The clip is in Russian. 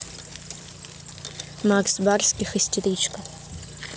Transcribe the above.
макс барских истеричка